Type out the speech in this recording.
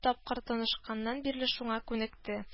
Тапкыр танышканнан бирле шуңа күнекте